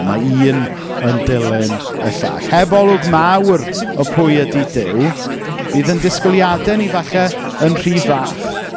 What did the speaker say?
Mae un yn dilyn y llall. Heb olwg mawr o pwy ydy Duw, bydd ein disgwyliadau ni falle yn rhy fach.